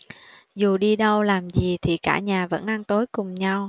dù đi đâu làm gì thì cả nhà vẫn ăn tối cùng nhau